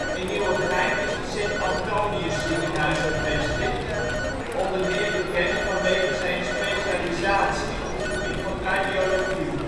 In Nieuwegein is het St. Antonius Ziekenhuis gevestigd, onder meer bekend vanwege zijn specialisatie op het gebied van cardiologie